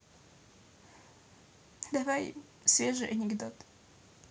давай свежий анекдот